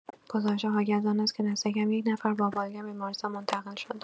گزارش‌ها حاکی‌از آن است که دست‌کم یک نفر با بالگرد به بیمارستان منتقل شده.